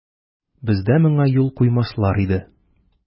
Бездә моңа юл куймаслар иде.